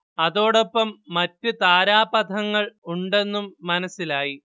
അതോടൊപ്പം മറ്റ് താരാപഥങ്ങൾ ഉണ്ടെന്നും മനസ്സിലായി